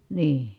niin